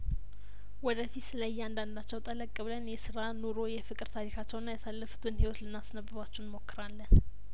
ወደፊት ስለ እያንዳንዳቸው ጠለቅ ብለን የስራ ኑሮ የፍቅር ታሪካቸውና ያሳለፉትን ህይወት ልናስነብባችሁ እንሞክራለን